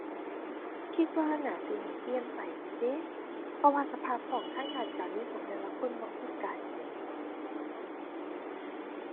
คิดว่าน่าสิให้เปลี่ยนไปอยู่เดะ เพราะว่าสภาพคล่องทางด้านการเงินของแต่ละคนบ่คือกัน